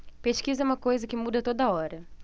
pesquisa é uma coisa que muda a toda hora